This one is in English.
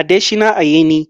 Adéṣínà Ayẹni